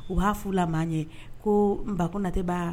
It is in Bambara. U b'a' la maa ye ko ba ko natɛ'